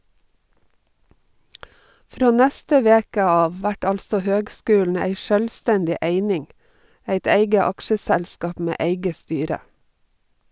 Frå neste veke av vert altså høgskulen ei sjølvstendig eining, eit eige aksjeselskap med eige styre.